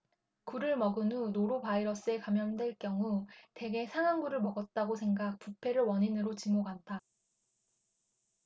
굴을 먹은 후 노로바이러스에 감염될 경우 대개 상한 굴을 먹었다고 생각 부패를 원인으로 지목한다